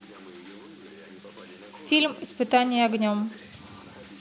фильм испытание огнем